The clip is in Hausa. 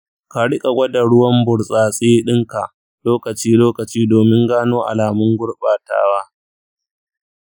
ka riƙa gwada ruwan burtsatse ɗinka lokaci-lokaci domin gano alamun gurɓatawa.